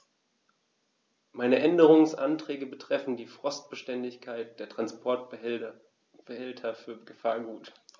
Meine Änderungsanträge betreffen die Frostbeständigkeit der Transportbehälter für Gefahrgut.